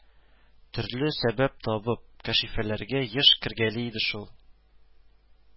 Төрле сәбәп табып, Кәшифәләргә еш кергәли иде шул